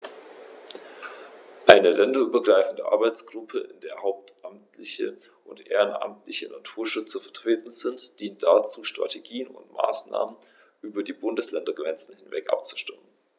Eine länderübergreifende Arbeitsgruppe, in der hauptamtliche und ehrenamtliche Naturschützer vertreten sind, dient dazu, Strategien und Maßnahmen über die Bundesländergrenzen hinweg abzustimmen.